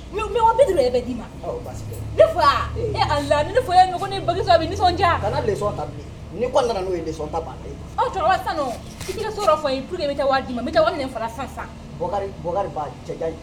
Bɛ d'i ma. Ɔ basi tɛ. Ne fa, e Ala ne fa y'a mɛn ko ne ye Bac sɔrɔ a bɛ nisɔn diya. Ka na leçon ta bilen. ni kɔnni nana n'o ye leçon ta banna. Ɔ, sisan nɔ, i t'i ka yɔrɔ fɔ n ye pour que n bɛ taa d'i ma. N bɛ taa wari minɛ n fa la sisan sisan. Bɔkari, Bɔkari nin ba cɛ jan in.